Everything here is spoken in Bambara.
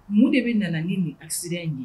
Mun de bi nana ni nin aaccident accident in ye